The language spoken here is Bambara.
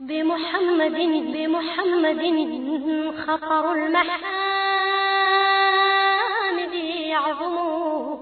Denbmu hamusoninbmuhaminilagɛnin yo